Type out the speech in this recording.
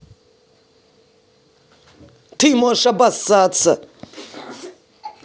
ты можешь обоссаться